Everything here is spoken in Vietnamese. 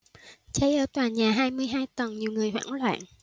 cháy ở tòa nhà hai mươi hai tầng nhiều người hoảng loạn